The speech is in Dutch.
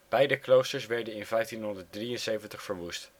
Beide kloosters werden in 1573 verwoest